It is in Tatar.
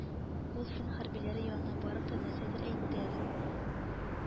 Ул фин хәрбиләре янына барып та, нәрсәдер әйтте әле